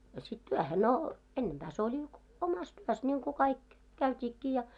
a sitten työhön no ennempää se oli omassa työssä niin kuin kaikki käytiinkin ja